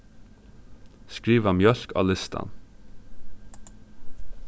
skriva mjólk á listan